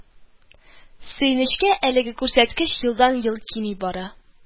Сөенечкә, әлеге күрсәткеч елдан-ел кими бара